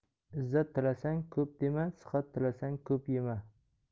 izzat tilasang ko'p dema sihat tilasang ko'p yema